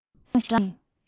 ཉིད དུ བགྲང ཞིང